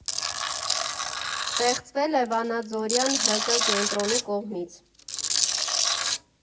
Ստեղծվել է վանաձորյան ՀԿ կենտրոնի կողմից։